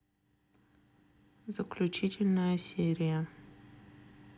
заключительная серия